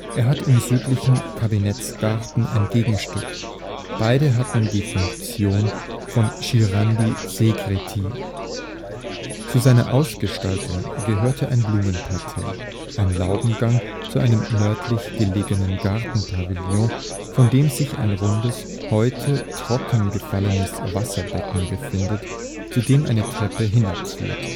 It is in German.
Er hat im Südlichen Kabinettsgarten sein Gegenstück, beide hatten die Funktion von giardini segreti. Zu seiner Ausstattung gehörte ein Blumenparterre, ein Laubengang zu einem nördlich gelegenen Gartenpavillon, vor dem sich ein rundes, heute trockengefallenes Wasserbecken befindet, zu dem eine Treppe hinabführt